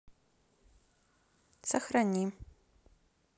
сохрани